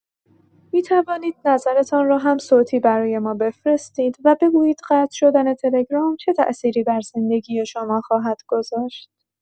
می‌توانید نظرتان را هم صوتی برای ما بفرستید و بگویید قطع شدن تلگرام چه تاثیری بر زندگی شما خواهد گذاشت.